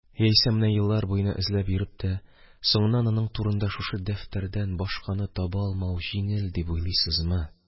Яисә менә еллар буена эзләп йөреп тә, соңыннан аның турында шушы дәфтәрдән башканы таба алмау җиңел дип уйлыйсызмы?